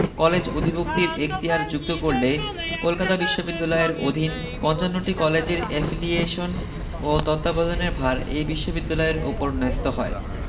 college অধিভুক্তির এখতিয়ার যুক্ত করলে কলকাতা বিশ্ববিদ্যালয়ের অধীন ৫৫টি কলেজের এফিলিয়েশন ও তত্ত্বাবধানের ভার এ বিশ্ববিদ্যালয়ের ওপর ন্যস্ত হয়